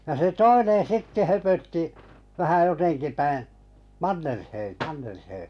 ja se toinen sitten höpötti vähän jotenkin päin Mannerheim Mannerheim